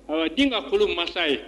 Ayiwa den ka kolon mansa ye